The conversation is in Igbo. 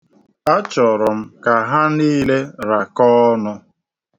A chọrọ m ka ha niile rakọọ ọnụ.